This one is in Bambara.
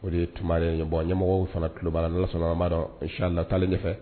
O de ye tuma ɲɛ bɔ ɲɛmɔgɔ fana tuloba lala sɔnnaba dɔn latali de fɛ